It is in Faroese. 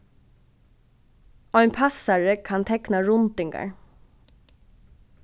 ein passari kann tekna rundingar